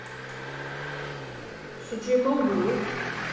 síggi eg móður út